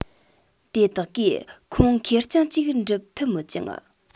དེ དག གིས ཁོངས ཁེར རྐྱང གཅིག འགྲུབ ཐུབ མོད ཀྱང